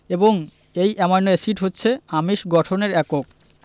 এবং এই amino acid হচ্ছে আমিষ গঠনের একক